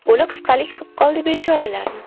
qo'li qisqalik qip qoldi bechoralarni